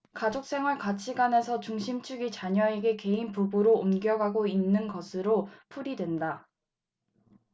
가족생활 가치관에서 중심축이 자녀에서 개인 부부로 옮겨가고 있는 것으로 풀이된다